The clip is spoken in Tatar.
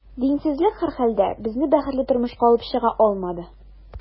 Динсезлек, һәрхәлдә, безне бәхетле тормышка алып чыга алмады.